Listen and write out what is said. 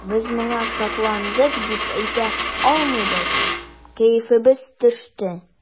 Без моңа шатландык дип әйтә алмыйбыз, кәефебез төште.